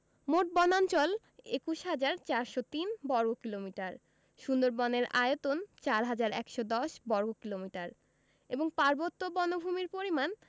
মোট বনাঞ্চল ২১হাজার ৪০৩ বর্গ কিলোমিটার সুন্দরবনের আয়তন ৪হাজার ১১০ বর্গ কিলোমিটার এবং পার্বত্য বনভূমির পরিমাণ